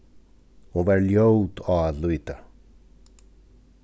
hon var ljót á at líta